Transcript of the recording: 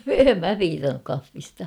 en minä piitannut kahvista